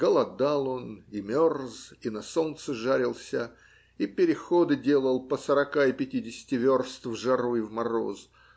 Голодал он, и мерз, и на солнце жарился, и переходы делал по сорока и пятидесяти верст в жару и в мороз